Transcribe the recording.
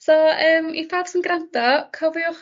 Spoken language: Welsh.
So yym i pawb sy'n grando cofiwch